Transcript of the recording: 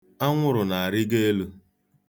Anwụrụ na-arịgo elu.